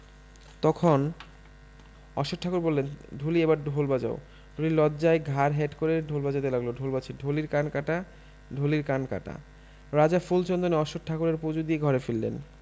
তখন অশ্বথ ঠাকুর বললে ঢুলি এইবার ঢোল বাজা ঢুলি লজ্জায় ঘাড় হেট করে ঢোল বাজাতে লাগলঢোল বাজছে ঢুলির কান কাটা ঢুলির কান কাটা রাজা ফুল চন্দনে অশ্বত্থ ঠাকুরের পুজো দিয়ে ঘরে ফিরলেন